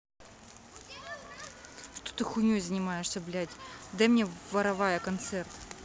что ты хуйней занимаешься блядь дай мне воровая концерт